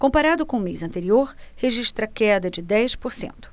comparado com o mês anterior registra queda de dez por cento